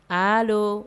Aa